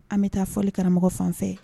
An bɛ taa fɔ karamɔgɔ fan fɛ